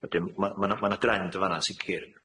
Wedyn ma' ma' 'na ma' 'na drend yn fan'na sicir,